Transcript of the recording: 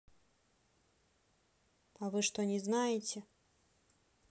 а вы что не знаете